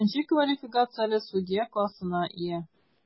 Беренче квалификацияле судья классына ия.